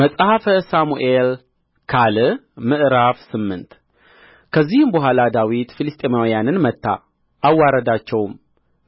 መጽሐፈ ሳሙኤል ካል ምዕራፍ ስምንት ከዚህም በኋላ ዳዊት ፍልስጥኤማውያንን መታ አዋረዳቸውም